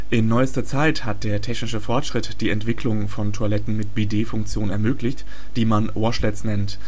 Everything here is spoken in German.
In neuester Zeit hat der technische Fortschritt die Entwicklung von Toiletten mit Bidetfunktion ermöglicht, die man Washlets nennt